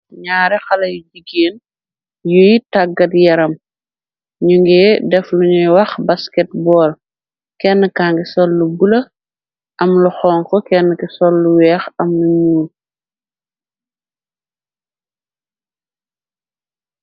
Naare xale yu jigeen yuy tàggat yaram ñu ngi def luñuy wax basket boll kennka ngi sol lu bula am lu xonko kenn ki sol lu weex am lu ñyul.